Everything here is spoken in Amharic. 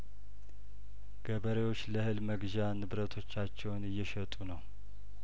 ገበሬዎች ለእህል መግዣ ንብረቶቻቸውን እየሸጡ ነው